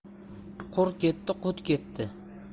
qur ketdi qut ketdi